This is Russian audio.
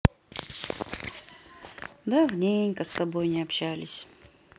давненько с тобой не общались